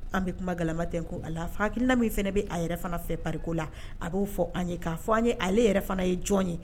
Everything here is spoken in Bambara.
An bɛ kuma galama tɛnko a la. Fo hakilina min fana bɛ a yɛrɛ fana fɛ pari ko la, a b'o fɔ an ye. K'a fɔ an ye ale yɛrɛ fana ye jɔn ye?